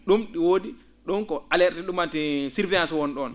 ?um ?i woodi ?um ko alerte ?umanti surveillance woni ?oon